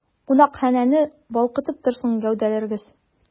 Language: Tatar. Кунакханәне балкытып торсын гәүдәләрегез!